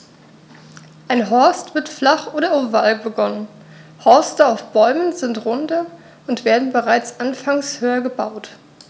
Ein Horst wird flach und oval begonnen, Horste auf Bäumen sind runder und werden bereits anfangs höher gebaut.